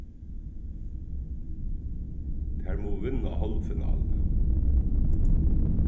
tær mugu vinna hálvfinaluna